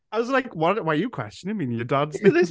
I was like, wha- why are you questioning me and your dad's na-...